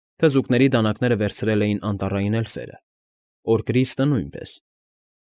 Թզուկների դանակները վերցրել էին անտառային էլֆերը, Օրկրիստը՝ նույնպես։